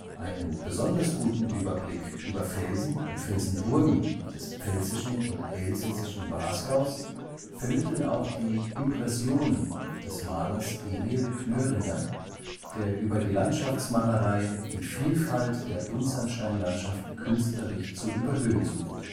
Einen besonders guten Überblick über Felsen und Felsenburgen des pfälzischen und elsässischen Wasgaus vermitteln auch die „ Impressionen “des Malers Emil Knöringer, der über die Landschaftsmalerei die Vielfalt der Buntsandsteinlandschaft künstlerisch zu überhöhen sucht